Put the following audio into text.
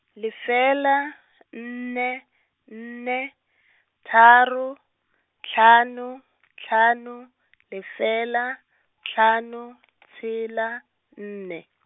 lefela, nne, nne, tharo, hlano, hlano, lefela, hlano , tshela, nne.